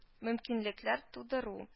Мөмкинлекләр тудыру